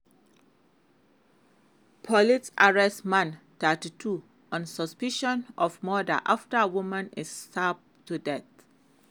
Police arrest man, 32, on suspicion of murder after woman is stabbed to death